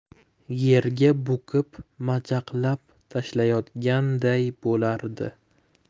yerga bukib majaqlab tashlayotganday bo'lardi